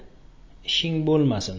ishing bo'lmasin